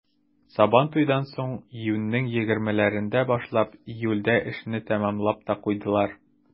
Сабантуйдан соң, июньнең 20-ләрендә башлап, июльдә эшне тәмамлап та куйдылар.